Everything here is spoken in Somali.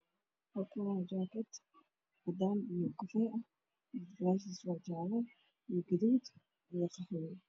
Halkan waxaa yaalo jaagad galgeedu yahay addoon qaxwi cagaar iyo guduud